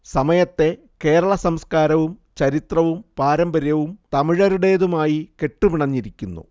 സമയത്തെ കേരള സംസ്കാരവും ചരിത്രവും പാരമ്പര്യവും തമിഴരുടേതുമായി കെട്ടുപിണഞ്ഞിരിക്കുന്നു